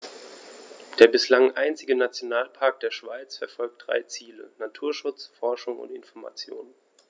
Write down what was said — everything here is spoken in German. Der bislang einzige Nationalpark der Schweiz verfolgt drei Ziele: Naturschutz, Forschung und Information.